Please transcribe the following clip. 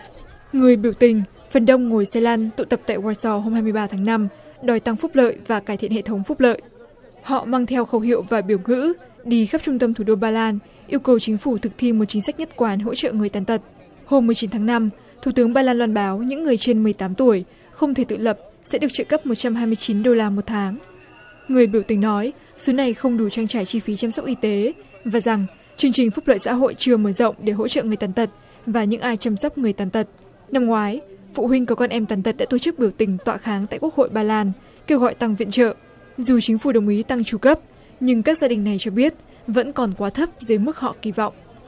người biểu tình phần đông ngồi xe lăn tụ tập tại ngôi sao hôm hai mươi ba tháng năm đòi tăng phúc lợi và cải thiện hệ thống phúc lợi họ mang theo khẩu hiệu và biểu ngữ đi khắp trung tâm thủ đô ba lan yêu cầu chính phủ thực thi một chính sách nhất quán hỗ trợ người tàn tật hôm mười chín tháng năm thủ tướng bà loan báo những người trên mười tám tuổi không thể tự lập sẽ được trợ cấp một trăm hai mươi chín đôla một tháng người biểu tình nói xứ này không đủ trang trải chi phí chăm sóc y tế và rằng chương trình phúc lợi xã hội chưa mở rộng để hỗ trợ người tàn tật và những ai chăm sóc người tàn tật năm ngoái phụ huynh có con em tàn tật đã tổ chức biểu tình tọa kháng tại quốc hội bà lan kêu gọi tăng viện trợ dù chính phủ đồng ý tăng chu cấp nhưng các gia đình này cho biết vẫn còn quá thấp dưới mức họ kỳ vọng